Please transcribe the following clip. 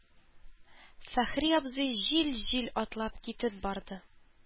Фәхри абзый җил-җил атлап китеп барды.